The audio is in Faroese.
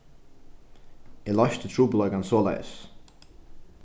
eg loysti trupulleikan soleiðis